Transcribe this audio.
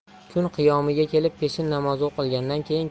kun qiyomiga kelib peshin namozi o'qilgandan